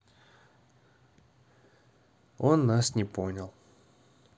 он нас не понял